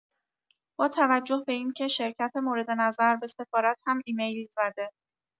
با توجه به اینکه شرکت مورد نظر به سفارت هم ایمیل زده؟